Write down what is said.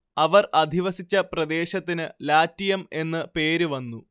അവർ അധിവസിച്ച പ്രദേശത്തിന് ലാറ്റിയം എന്ന് പേര് വന്നു